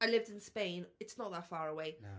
"I lived in Spain", it's not that far away... Na.